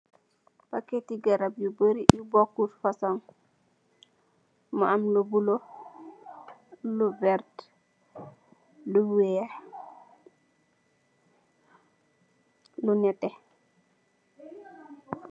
Paketti garap yu barri bokut fasong, mu am lu bula, lu werta , lu wèèx , lu netteh .